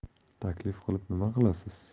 taklif qilib nima qilasiz